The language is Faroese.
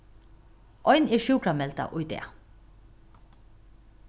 ein er sjúkrameldað í dag